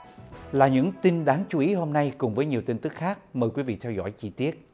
là những tin đáng chú ý hôm nay cùng với nhiều tin tức khác mời quý vị theo dõi chi tiết